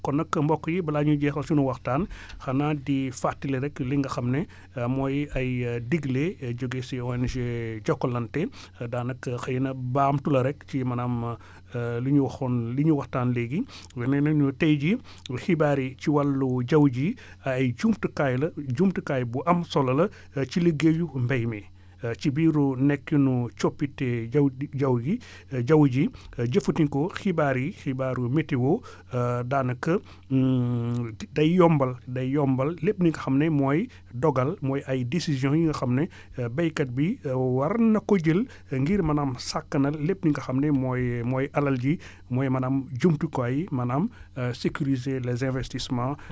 kon nag mbokk yi balaa ñuy jeexal sunu waxtaan xanaa di fàttali rekk li nga xam ne mooy ay digle jóge si ONG Jokalante daanaka xëy na baamtu la rekk ci maanaam lu ñuy waxoon li ñu waxtaan léegi nee nañu tay jii xibaar yi ci wàllu jaww ji ay jumtukaay la jumtukaay bu am solo la ci liggéeyu mbay mi ci biiru nekkinu coppite jaww bi jaww yi jëfandikoo xibaar yi xibaaru météo daanaka daanaka day yombal day yombal lépp li nga xam ne mooy dogal ay décisions yoo xam ne baykat bi war na ko jël ngir maanaam sakkanal lépp li nga xam ne mooy mooy alal ji mooy maanaam jumtukaay yi maanaam sécuriser les investissements